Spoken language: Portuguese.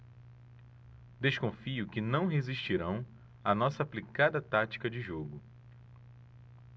desconfio que não resistirão à nossa aplicada tática de jogo